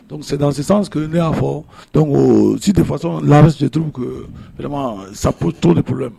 Sisan ne y'a fɔ si tɛfasɔn laa duuruuru sa cogo de p